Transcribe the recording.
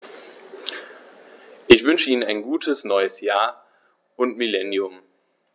Ich wünsche Ihnen ein gutes neues Jahr und Millennium.